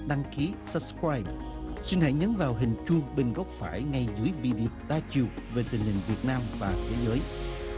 đăng ký sắp roai xin hãy nhấn vào hình chuông bên góc phải ngay dưới vi đê ô đa chiều về tình hình việt nam và thế giới